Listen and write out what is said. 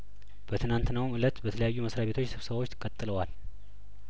በትናትናውም እለት በተለያዩ መስሪያ ቤቶች ስብሰባዎች ቀጥለዋል